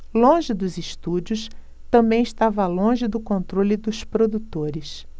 longe dos estúdios também estava longe do controle dos produtores